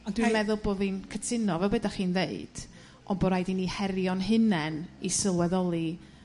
Ond dwi'n meddwl bo' fi'n cytuno 'fo be' 'dach chi'n dd'eud on' bo' raid i ni herio'n hunen i sylweddoli